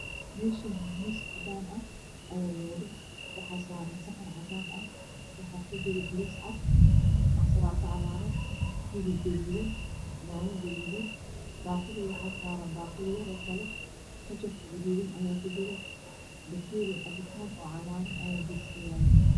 Mashan waxaa yalo mis oo cadan ah waxaa saran saxan cadan ah waxaa kujiro bariis iyo aslato iyo hiliib iyo yaayo waxaa saran baquli kale gajab ayaa kujiro cabitan ayaa gees kayalo oo cagar ah